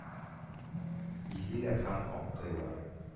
Бизиләр һәм аңкыйлар?!